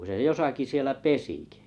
se jossakin siellä pesikin